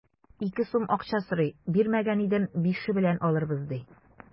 Ике сум акча сорый, бирмәгән идем, бише белән алырбыз, ди.